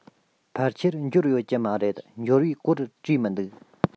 ཕལ ཆེར འབྱོར ཡོད ཀྱི མ རེད འབྱོར བའི སྐོར བྲིས མི འདུག